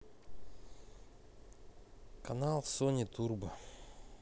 канал сони турбо